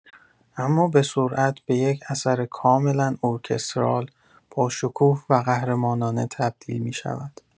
اما به‌سرعت به یک اثر کاملا ارکسترال، باشکوه و قهرمانانه تبدیل می‌شود.